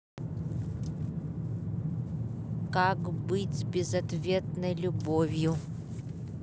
как быть с безответной любовью